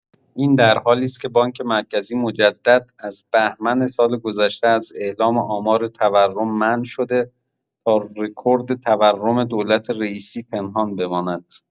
این در حالی است که بانک مرکزی مجدد از بهمن سال‌گذشته از اعلام آمار تورم منع شده تا رکورد تورم دولت رئیسی پنهان بماند.